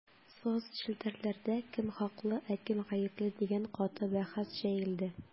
Соцчелтәрләрдә кем хаклы, ә кем гапле дигән каты бәхәс җәелде.